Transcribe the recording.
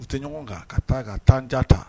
U tɛ ɲɔgɔn kan ka taa ka taa ja ta